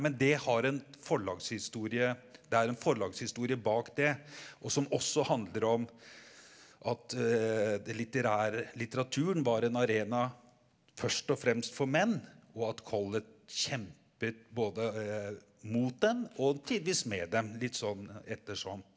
men det har en forlagshistorie det er en forlagshistorie bak det og som også handler om at det litteraturen var en arena først og fremst for menn og at Collett kjempet både mot dem og tidvis med dem litt sånn ettersom.